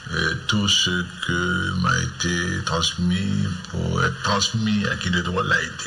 Et tout ce que m'a été transmis pour être transmis à qui de droit l'a été